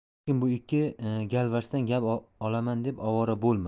lekin bu ikki galvarsdan gap olaman deb ovora bo'lma